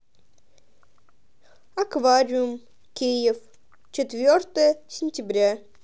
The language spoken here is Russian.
аквариум киев четвертое сентября